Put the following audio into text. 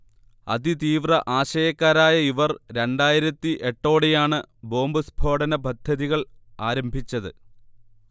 അതി തീവ്ര ആശയക്കാരായ ഇവർ രണ്ടായിരത്തി എട്ടോടെയാണ് ബോംബ് സ്ഫോടനപദ്ധതികൾ ആരംഭിച്ചത്